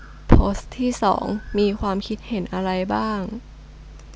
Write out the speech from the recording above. โพสต์ที่สองมีความคิดเห็นอะไรบ้าง